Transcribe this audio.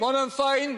Ma' wnna'n ffein.